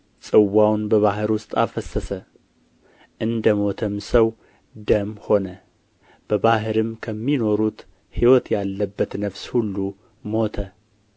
ጽዋውን በባሕር ውስጥ አፈሰሰ እንደ ሞተም ሰው ደም ሆነ በባሕርም ከሚኖሩት ሕይወት ያለበት ነፍስ ሁሉ ሞተ